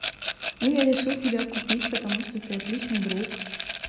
ну я решил тебя купить потому что ты отличный друг